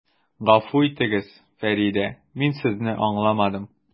Гафу итегез, Фәридә, мин Сезне аңламадым.